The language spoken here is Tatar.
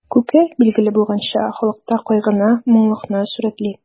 Күке, билгеле булганча, халыкта кайгыны, моңлылыкны сурәтли.